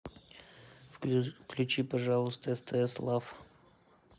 включи пожалуйста стс лав